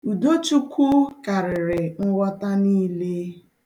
Udochukwu karịrị nghọta niile.